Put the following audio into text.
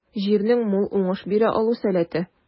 Җирнең мул уңыш бирә алу сәләте.